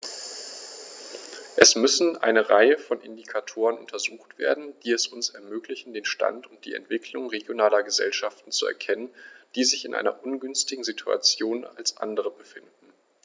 Es müssen eine Reihe von Indikatoren untersucht werden, die es uns ermöglichen, den Stand und die Entwicklung regionaler Gesellschaften zu erkennen, die sich in einer ungünstigeren Situation als andere befinden.